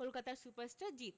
কলকাতার সুপারস্টার জিৎ